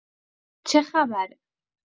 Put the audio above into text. چه خبره؟